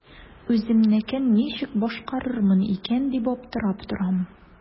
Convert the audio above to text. Үземнекен ничек башкарырмын икән дип аптырап торам.